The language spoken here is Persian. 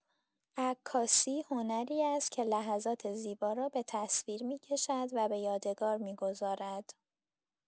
عکاسی هنری است که لحظات زیبا را به تصویر می‌کشد و به یادگار می‌گذارد.